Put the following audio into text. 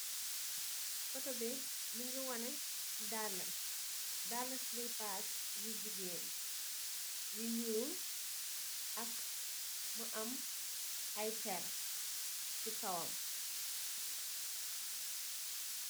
Foto bi mungi waneh dalla, dalla silipàs yu gigeen yu ñuul ak mu am ay per ci kawam.